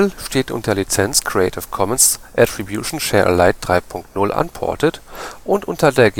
steht unter der Lizenz Creative Commons Attribution Share Alike 3 Punkt 0 Unported und unter der